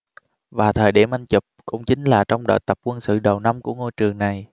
và thời điểm anh chụp cũng chính là trong đợt tập quân sự đầu năm của ngôi trường này